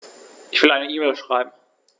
Ich will eine E-Mail schreiben.